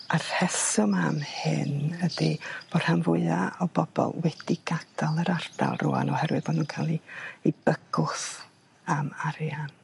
Y rheswm am hyn ydi bo' rhan fwya o bobol wedi gadal yr ardal rŵan oherwydd bo' nw'n ca'l 'i i bygwth am arian.